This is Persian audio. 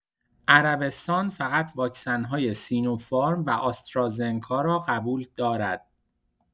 عربستان فقط واکسن‌های سینوفارم و آسترازنکا را قبول دارد.